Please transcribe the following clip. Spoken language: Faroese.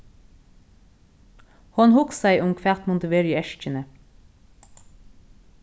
hon hugsaði um hvat mundi vera í eskjuni